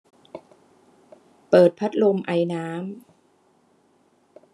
เปิดพัดลมไอน้ำ